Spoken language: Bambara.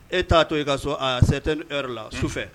E t'a to e ka so a se tɛ la su fɛ